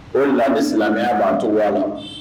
O lamɛn silamɛya b'an to wa la